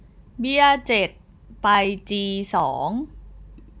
เบี้ยเจ็ดไปจีสอ